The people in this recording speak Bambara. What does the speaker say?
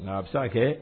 Nka a bɛ se ka kɛ